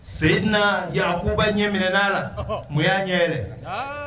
Seyid yakoba ɲɛ minɛ' la o y'a ɲɛ yɛrɛ